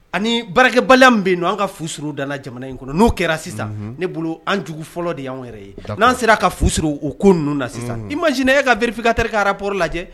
Ani baararkɛbaliya min bɛ Yen, an ka fu siri a dala jamana in kɔnɔ, n'o kɛra sisan ne bolo an jugu fɔlɔ de y'an yɛrɛ ye , n'an sera ka fu siri o ko ninnu na sisan imaginez e k'a verificateur ka rapport lajɛ